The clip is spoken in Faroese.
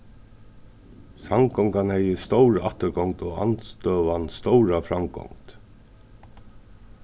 samgongan hevði stóra afturgongd og andstøðan stóra framgongd